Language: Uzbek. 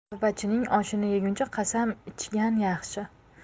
tavbachining oshini yeguncha qasam ichgan yaxshi